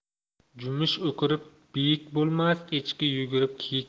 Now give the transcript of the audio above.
jumush o'kirib biyik bo'lmas echki yugurib kiyik